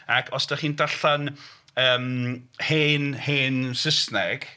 Ac os dach chi'n yym darllen hen hen Saesneg